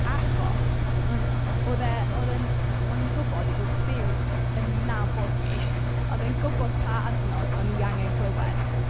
Achos o'n... oedd e... oedd e'n... o'n i'n gwybod bod Duw yn nabod fi. Oedd e'n gwybod pa adnodd o'n i angen clywed.